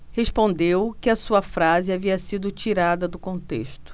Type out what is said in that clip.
respondeu que a sua frase havia sido tirada do contexto